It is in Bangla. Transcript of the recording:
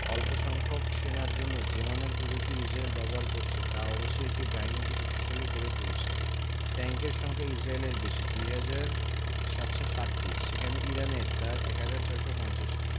অল্পসংখ্যক সেনার জন্য যে মানের প্রযুক্তি ইসরায়েল ব্যবহার করছে তা অবশ্যই এই বাহিনীকে শক্তিশালী করে তুলছে ট্যাংকের সংখ্যাও ইসরায়েলের বেশি ২ হাজার ৭৬০টি সেখানে ইরানের তা ১ হাজার ৬৫০টি